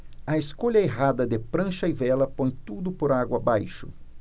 a escolha errada de prancha e vela põe tudo por água abaixo